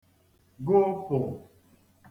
gụpụ̀